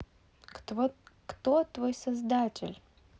кто твой создатель